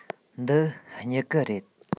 འདི སྨྱུ གུ རེད